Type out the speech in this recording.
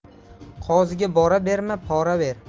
qoziga bora berma pora ber